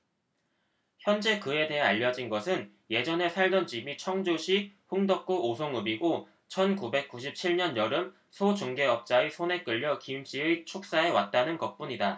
현재 그에 대해 알려진 것은 예전에 살던 집이 청주시 흥덕구 오송읍이고 천 구백 구십 칠 년 여름 소 중개업자의 손에 끌려 김씨의 축사에 왔다는 것뿐이다